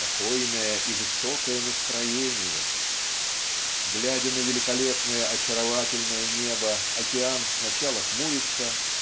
покойное и высокое настроение!". "Глядя на великолепное очаровательное небо океан сначала хмурится